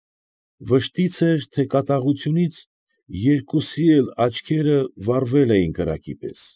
Վշտից էր, թե կատաղությունից երկուսի էլ աչքերը վառվել էին կրակի պես։